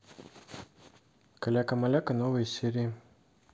каляка маляка новые серии